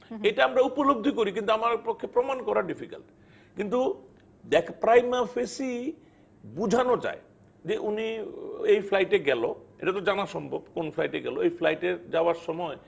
এ থেকে আমরা উপলব্ধি করে কিন্তু আমার পক্ষে প্রমাণ করা ডিফিকাল্ট কিন্তু ব্যাট প্রাইমাফেসি বুঝানো যায় যে উনি এই ফ্লাইটে গেল এটা তো জানা সম্ভব কোন ফ্লাইটে গেল এই ফ্লাইটে যাওয়ার সময়